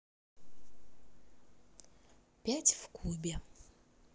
пять в кубе